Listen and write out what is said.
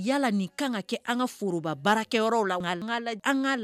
Yala ni kan ka kɛ an foroba baara kɛ yɔrɔ la